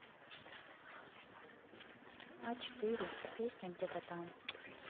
а четыре песня где то там